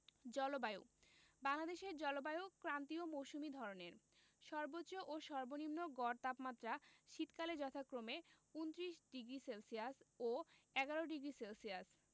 জলবায়ুঃ বাংলাদেশের জলবায়ু ক্রান্তীয় মৌসুমি ধরনের সর্বোচ্চ ও সর্বনিম্ন গড় তাপমাত্রা শীতকালে যথাক্রমে ২৯ ডিগ্রি সেলসিয়াস ও ১১ডিগ্রি সেলসিয়াস